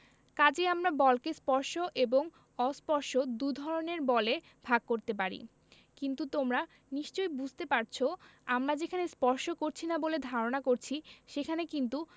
কাজেই আমরা বলকে স্পর্শ এবং অস্পর্শ দু ধরনের বলে ভাগ করতে পারি কিন্তু তোমরা নিশ্চয়ই বুঝতে পারছ আমরা যেখানে স্পর্শ করছিনা বলে ধারণা করছি সেখানে কিন্তু